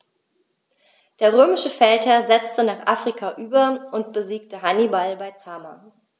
Der römische Feldherr setzte nach Afrika über und besiegte Hannibal bei Zama.